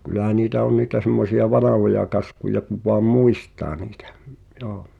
kyllähän niitä on niitä semmoisia vanhoja kaskuja kun vain muistaa niitä joo